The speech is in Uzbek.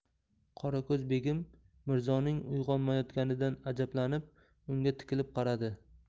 qorako'z begim mirzoning uyg'onmayotganidan ajablanib unga tikilib qaradi